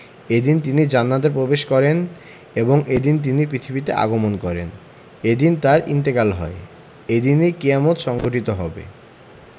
এদিন তিনি জান্নাতে প্রবেশ করেন এবং এদিন তিনি পৃথিবীতে আগমন করেন এদিন তাঁর ইন্তেকাল হয় এদিনেই কিয়ামত সংঘটিত হবে